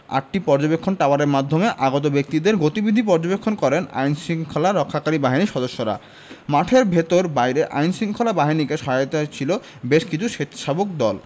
আটটি পর্যবেক্ষণ টাওয়ারের মাধ্যমে আগত ব্যক্তিদের গতিবিধি পর্যবেক্ষণ করেন আইনশৃঙ্খলা রক্ষাকারী বাহিনীর সদস্যরা মাঠের ভেতর বাইরে আইনশৃঙ্খলা বাহিনীকে সহায়তায় ছিল বেশ কিছু স্বেচ্ছাসেবক দল